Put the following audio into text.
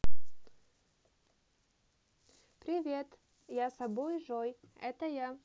привет я собой жой это я